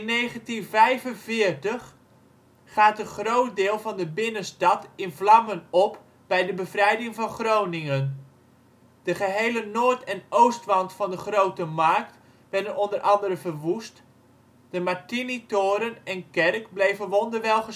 In 1945 gaat een groot deel van de binnenstad in vlammen op bij de bevrijding van Groningen. De gehele noord - en oostwand van de Grote Markt werden o.a. verwoest, de Martinitoren en - kerk bleven wonderwel